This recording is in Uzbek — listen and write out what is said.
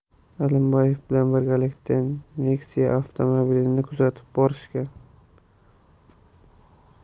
alimbayev bilan birgalikda nexia avtomobilini kuzatib borishgan